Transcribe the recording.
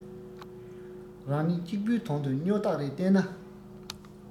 རང ཉིད གཅིག པུའི དོན དུ སྨྱོ རྟགས རེ བསྟན ན